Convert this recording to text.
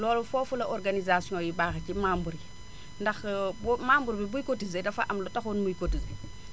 loolu foofu la organisation yi baax ci membre yi ndax membre bi buy cotisé dafa am lu taxoon muy cotisé